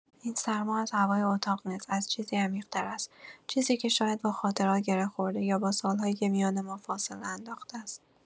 این سرما از هوای اتاق نیست، از چیزی عمیق‌تر است، چیزی که شاید با خاطرات گره خورده یا با سال‌هایی که میان ما فاصله انداخته است.